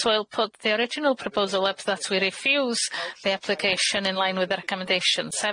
So we'll put the original proposal up that we refuse the application in line with the recommendations.